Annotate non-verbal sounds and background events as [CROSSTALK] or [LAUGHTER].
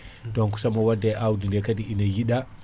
[BREATH] donc somo wadde e awdi ne kaadi ina yiiɗa